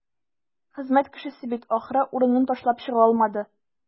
Хезмәт кешесе бит, ахры, урынын ташлап чыга алмады.